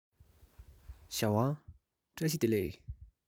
ཞའོ ཝང ལགས བཀྲ ཤིས བདེ ལེགས